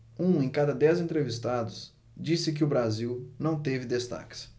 um em cada dez entrevistados disse que o brasil não teve destaques